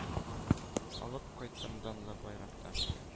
Алып кайттым данлы байракта